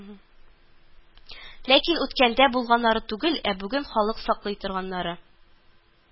Ләкин үткәндә булганнары түгел, ә бүген халык саклый торганнары